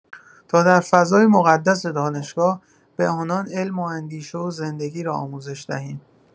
تا در فضای مقدس دانشگاه، به آنان علم و اندیشه و زندگی را آموزش دهیم.